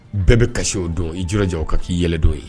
Bɛɛ bɛ kasi o dɔn i jija kan k'i yɛlɛ don ye